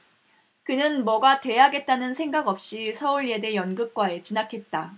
그는 뭐가 돼야겠다는 생각 없이 서울예대 연극과에 진학했다